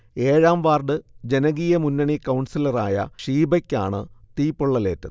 ഏഴാം വാർഡ് ജനകീയ മുന്നണി കൗൺസിലറായ ഷീബയ്ക്കാണ് തീപൊള്ളലേറ്റത്